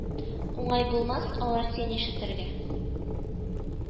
Уңай булмас, алар син ишетергә